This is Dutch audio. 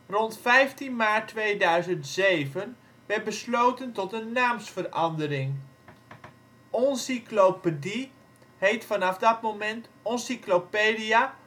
Rond 15 maart 2007 werd besloten tot een naamsverandering. Onziclopedie heet vanaf dat moment Oncyclopedia